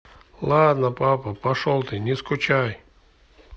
ладно папа пошел ты не скучай